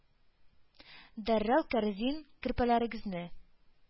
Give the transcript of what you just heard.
Дәррәү кәрзин, көрпәләрегезне